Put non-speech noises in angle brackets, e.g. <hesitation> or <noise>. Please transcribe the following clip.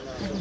<hesitation> <hesitation>